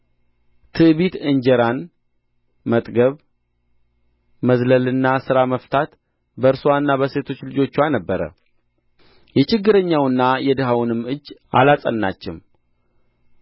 ትዕቢት እንጀራን መጥገብ መዝለልና ሥራ መፍታት በእርስዋና በሴቶች ልጆችዋ ነበረ የችግረኛውንና የድሀውንም እጅ አላጸናችም